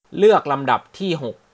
เลือกลำดับที่หก